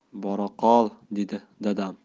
bora qol dedi dadam